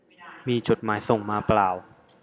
มีจดหมายส่งมาป่าว